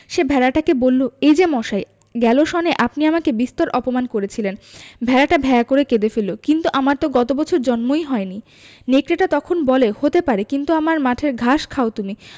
সে ভেড়াটাকে বলল এই যে মশাই গেল সনে আপনি আমাকে বিস্তর অপমান করেছিলেন ভেড়াটা ভ্যাঁ করে কেঁদে ফেলল কিন্তু আমার তো গত বছর জন্মই হয়নি নেকড়েটা তখন বলে হতে পারে কিন্তু আমার মাঠের ঘাস খাও তুমি